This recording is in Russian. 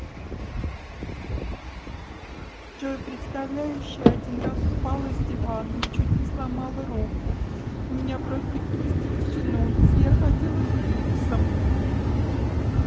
джой представляющая один раз упала с дивана и чуть не сломала руку у меня просто кисти растянулись и я ходила с гипсом